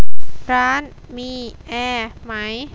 ร้านมีแอร์ไหม